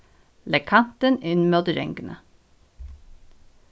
legg kantin inn móti ranguni